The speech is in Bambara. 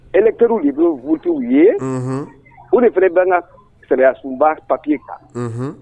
E terirw de don vtw ye o de fanabana ka sariyas bba papiki kan